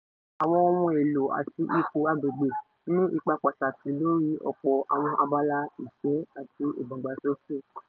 Àwọn ohun èlò àti ipò agbègbè ní ipa pàtàkì lórí ọ̀pọ̀ àwọn abala ìṣẹ́ àti ìdàgbàsókè.